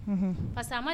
Unhun, parce que a ma